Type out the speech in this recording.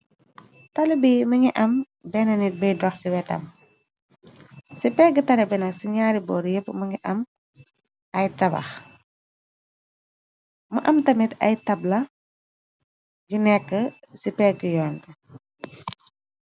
Talubbi mi ngi am benn nit biy dox ci wétam, ci pégg tali bénn, ci gnaari boor yépp mi ngi am ay tabax, mu am tamit ay tabla yu nekk ci pégg yoonté.